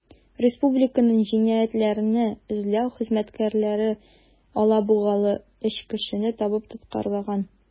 Республиканың җинаятьләрне эзләү хезмәткәрләре алабугалы 3 кешене табып тоткарлаган.